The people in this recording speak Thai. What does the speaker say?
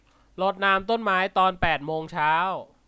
รดน้ำต้นไม้ตอนแปดโมงเช้า